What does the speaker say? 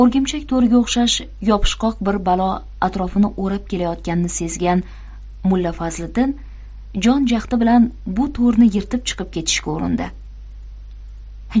o'rgimchak to'riga o'xshash yopishqoq bir balo atrofini o'rab kelayotganini sezgan mulla fazliddin jon jahdi bilan bu to'rni yirtib chiqib ketishga urindi